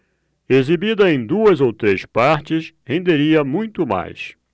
exibida em duas ou três partes renderia muito mais